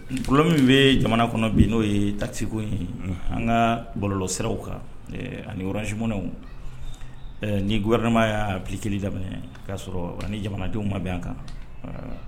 Bololɔ min bɛ jamana kɔnɔ bi n'o ye tatiko in an ka balolɔ siraraww kan ani wɔsiunɛw ni gwaɛma y'a bikili daminɛ o'a sɔrɔ ni jamanadenw ma bɛ an kan